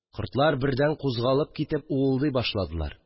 Кортлар бердән кузгалып китеп уылдый башладылар